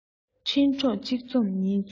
འཕྲིན གྲོགས གཅིག འཛོམས གཉིས འཛོམས